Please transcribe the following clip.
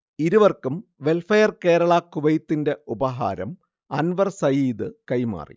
ഇരുവർക്കും വെൽഫെയർ കേരള കുവൈത്തിന്റെ ഉപഹാരം അൻവർ സയീദ് കൈമാറി